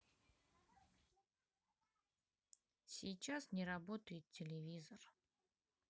сейчас не работает телевизор